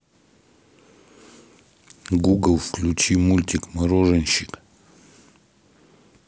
гугл включи мультик мороженщик